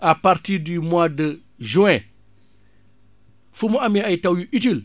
à partir du mois de juin fu mu amee ay taw yu utiles